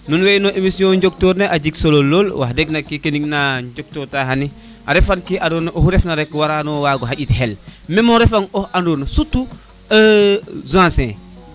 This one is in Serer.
nuun we no emission joktor ne a jeg solo lool wax deg nak no kemin na njok toor ta xani arefan ke ando na oxu ref na rek wara no wago xaƴit xel meme o refa nga xa andona surtout Zancier